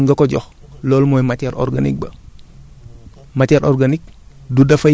léegi ah amaat soow léegi loolu noonu nga ko jox loolu mooy matière organique ba